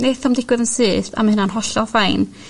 neitho'm digwydd yn syth a ma' hynna'n hollol fine